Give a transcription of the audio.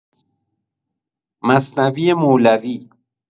مثنوی مولوی